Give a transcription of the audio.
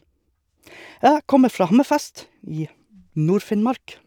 Jeg kommer fra Hammerfest i Nord-Finnmark.